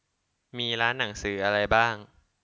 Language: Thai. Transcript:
มีร้านหนังสืออะไรบ้าง